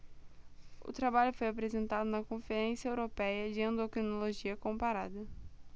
o trabalho foi apresentado na conferência européia de endocrinologia comparada